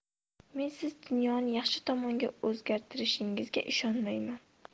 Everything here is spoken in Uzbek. men siz dunyoni yaxshi tomonga o'zgartirishingizga ishonmayman